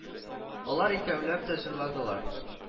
Алар икәүләп тә җырладылар